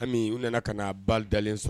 Hali u nana ka na ba dalen sɔrɔ